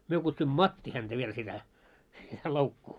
me kutsuimme matti häntä vielä sitä loukkua